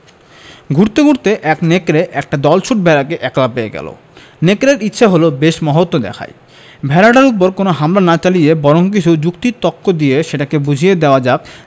ঘুরতে ঘুরতে এক নেকড়ে একটা দলছুট ভেড়াকে একলা পেয়ে গেল নেকড়ের ইচ্ছে হল বেশ মহত্ব দেখায় ভেড়াটার উপর কোন হামলা না চালিয়ে বরং কিছু যুক্তি তক্ক দিয়ে সেটাকে বুঝিয়ে দেওয়া যাক